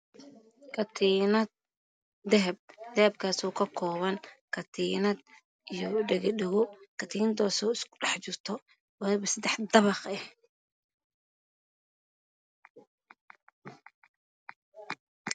Dahabi kaaso ka kooban katiinad oo isku dhex jirto